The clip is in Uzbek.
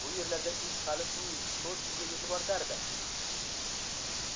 bu yerlarda ish hali uch to'rt kunga yetib ortardi